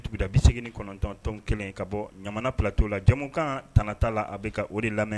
Tuguda 89. 1 ka bɔ ɲamana Plateau la jɛmukan tangan t'a la, a bɛ ka o de lamɛn.